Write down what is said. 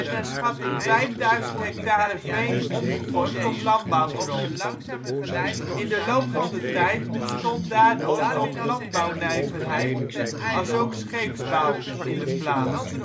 naar schatting 5000 hectare veen omgevormd tot landbouwgrond. In de loop van de tijd ontstond daardoor ook landbouwnijverheid, alsook scheepsbouw in de plaats